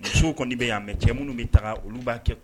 Musow kɔni bɛ y'a mɛ cɛ minnu bɛ taa olu b'a kɛ